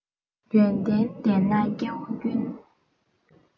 ཡོན ཏན ལྡན ན སྐྱེ བོ ཀུན